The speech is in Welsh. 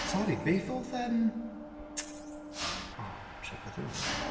Sori beth oedd yym o shit beth yw enw fe nawr?